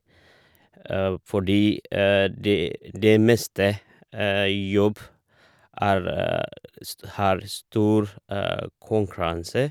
Fordi det det meste jobb er st har stor konkurranse.